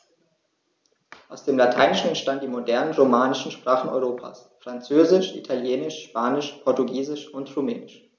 Aus dem Lateinischen entstanden die modernen „romanischen“ Sprachen Europas: Französisch, Italienisch, Spanisch, Portugiesisch und Rumänisch.